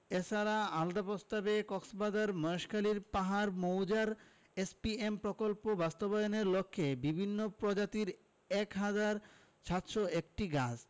এছাড়া আলাদা প্রস্তাবে কক্সবাজারের মহেশখালীর পাহাড় মৌজার এসপিএম প্রকল্প বাস্তবায়নের লক্ষ্যে বিভিন্ন প্রজাতির ১ হাজার ৭০১টি গাছ